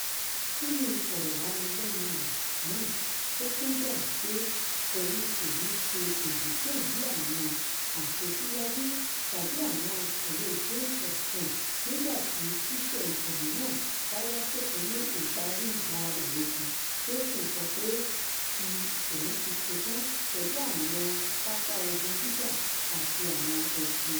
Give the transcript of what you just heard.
nínú ìfọ̀rọ̀wánilẹ́nuwò náà o tún gbà wí pé òun kòní ṣe èyíkéyìí àwọn àṣesíwáju tàbí àwọn àtẹ̀lé Game of Thrones nígbà tí ṣíṣẹ̀-n-tẹ̀lé náà bá wá sópin ní ìparí ìgbà ooru tókàn, tí ó ńsọ pé òun ti 'ṣetán pẹ̀lú àwọn pápá ogun jíjà àti àwọn ẹsin'.